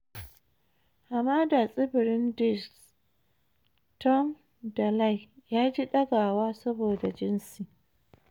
Hamada Tsibirin Discs: Tom Daley ya ji 'dagawa' saboda jinsi